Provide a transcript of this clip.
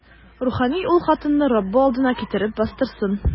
Рухани ул хатынны Раббы алдына китереп бастырсын.